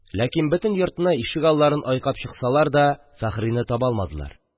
Ләкин бөтен йортны, ишегалларын айкап чыксалар да, Фәхрине таба алмадылар.